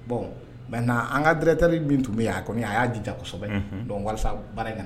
Bɔn mɛ n' an ka dɛrɛtari min tun bɛ yan a kɔmi a y'a dijasɛbɛ kosɛbɛ don baara in